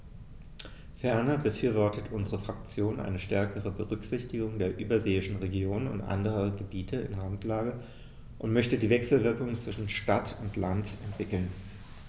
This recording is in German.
Ferner befürwortet unsere Fraktion eine stärkere Berücksichtigung der überseeischen Regionen und anderen Gebieten in Randlage und möchte die Wechselwirkungen zwischen Stadt und Land entwickeln.